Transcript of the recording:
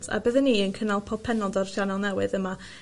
...a bydde ni yn cynnal pob pennod ar sianel newydd yma.